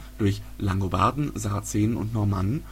Langobarden, Sarazenen und Normannen